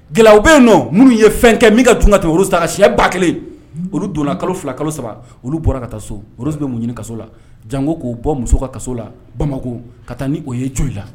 Gɛlɛya u bɛ yen don minnu ye fɛn kɛ min ka tun ka kɛ sa siyɛn ba kelen olu donna kalo fila kalo saba olu bɔra ka taa so woro bɛ munɲ kaso la jango k'u bɔ muso ka kaso la bamakɔ ka taa ni o ye jo la